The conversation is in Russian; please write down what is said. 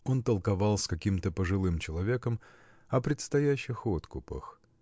Он толковал с каким-то пожилым человеком о предстоявших откупах.